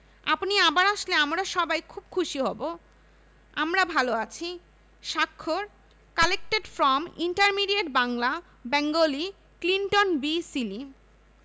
আপনি আবার আসলে আমরা সবাই খুব খুশি হব আমরা ভালো আছি স্বাক্ষর collected from intermediate Bangla Bengali Clinton B Seely